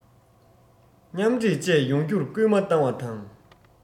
མཉམ འདྲེས བཅས ཡོང རྒྱུར སྐུལ མ བཏང བ དང